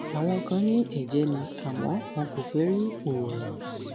Àwọn kan ní ẹ̀jẹ̀ ni àmọ́ wọn kò fẹ́ rí oòrùn